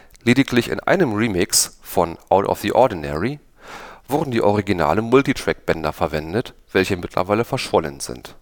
Lediglich in einem Remix (von „ Out Of The Ordinary “) wurden die originalen Multitrack-Bänder verwendet, welche mittlerweile verschollen sind